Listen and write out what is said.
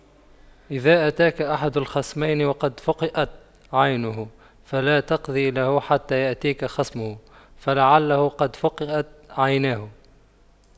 إذا أتاك أحد الخصمين وقد فُقِئَتْ عينه فلا تقض له حتى يأتيك خصمه فلعله قد فُقِئَتْ عيناه